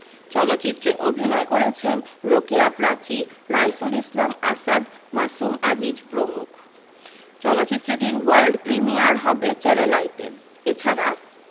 চলচ্চিত্রে অভিনয় করেছেন রোকেয়া প্রাচী রাইসুল ইসলাম আসাদ মাসুম আজিজ প্রমুখ চলচ্চিত্রটির ওয়ার্ল্ড প্রিমিয়ার হবে চ্যানেল আইতে এ ছাড়া